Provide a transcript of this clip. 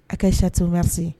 A ka sito